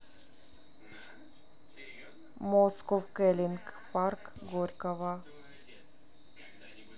moscow calling парк горького